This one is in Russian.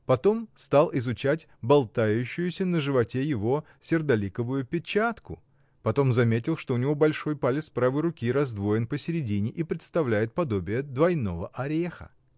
потом стал изучать болтающуюся на животе его сердоликовую печатку, потом заметил, что у него большой палец правой руки раздвоен посередине и представляет подобие двойного ореха.